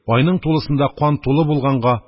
Айның тулысында кан тулы булганга,